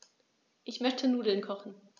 Ich möchte Nudeln kochen.